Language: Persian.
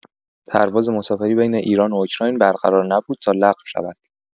پرواز مسافری بین ایران و اوکراین برقرار نبود تا لغو شود.